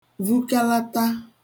vukalata